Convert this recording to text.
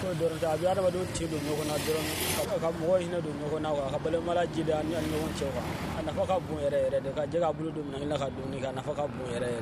A adama hinɛ don ka balima ɲɔgɔn cɛ nafa ka ka bolo don ka nafa ka